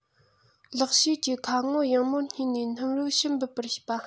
ལག ཕྱིས ཀྱིས ཁ ངོ ཡང མོར ཕྱིས ནས སྣུམ རིགས ཕྱིར འབུད པར བྱེད པ